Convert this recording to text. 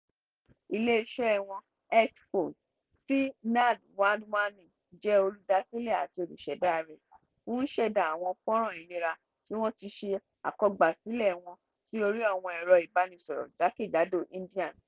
Ilé-iṣẹ́ wọn, HealthPhone, tí Nand Wadhwani jẹ́ olùdásílẹ̀ àti olùṣẹ̀dá rẹ̀, ń ṣẹ̀dá àwọn fọ́nràn ìlera tí wọ́n ti ṣe àkọ́gbàsílẹ̀ wọn sí orí àwọn ẹ̀rọ ìbánisọ̀rọ̀ jákèjádò India.